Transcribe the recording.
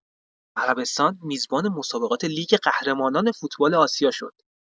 عربستان میزبان مسابقات لیگ قهرمانان فوتبال آسیا شد.